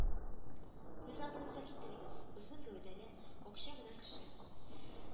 Күз алдыгызга китерегез: озын гәүдәле какча гына кеше